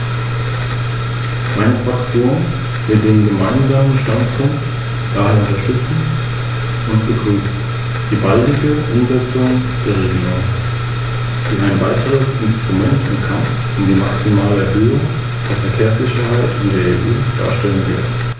Es gibt einige, die glauben, dass Ziele in Europa allein deswegen erreicht werden, weil sie in diesem Haus gesetzt werden.